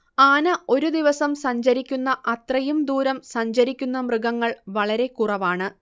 ആന ഒരു ദിവസം സഞ്ചരിക്കുന്ന അത്രയും ദൂരം സഞ്ചരിക്കുന്ന മൃഗങ്ങൾ വളരെ കുറവാണ്